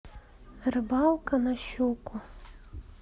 рыбалка на щуку